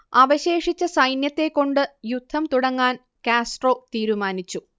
അവശേഷിച്ച സൈന്യത്തെക്കൊണ്ടു യുദ്ധം തുടങ്ങാൻ കാസ്ട്രോ തീരുമാനിച്ചു